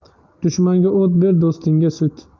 dushmanga o't ber do'stingga sut